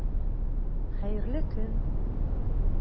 Хәерле көн!